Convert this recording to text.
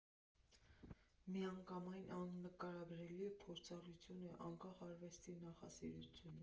Միանգամայն աննկարագրելի փորձառություն է՝ անկախ արվեստի նախասիրություններից։